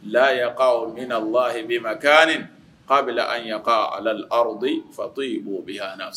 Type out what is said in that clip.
Layi' min na lahi min ma kaani k'a bɛ ali ɲɛ alaro fato y' b'o bɛ ha